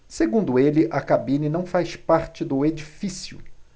segundo ele a cabine não faz parte do edifício